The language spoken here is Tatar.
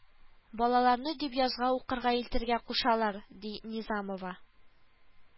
Балаларны Дөбьязга укырга илтергә кушалар , ди Низамова